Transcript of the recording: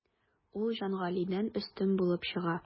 Ул Җангалидән өстен булып чыга.